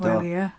Wel ie.